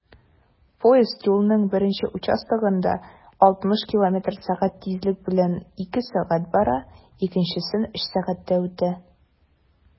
Поезд юлның беренче участогында 60 км/сәг тизлек белән 2 сәг. бара, икенчесен 3 сәгатьтә үтә.